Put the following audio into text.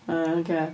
O oce.